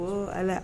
Bon ala